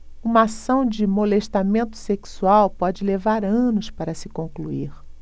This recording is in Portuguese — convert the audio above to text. uma ação de molestamento sexual pode levar anos para se concluir